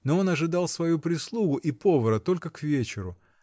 но он ожидал свою прислугу и повара только к вечеру